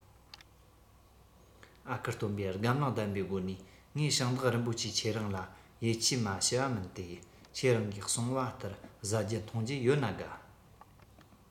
ཨ ཁུ སྟོན པས སྒམ བརླིང ལྡན པའི སྒོ ནས ངས ཞིང བདག རིན པོ ཆེ ཁྱེད རང ལ ཡིད ཆེས མ ཞུ བ མིན ཏེ ཁྱེད རང གིས གསུངས པ ལྟར བཟའ རྒྱུ འཐུང རྒྱུ ཡོད ན དགའ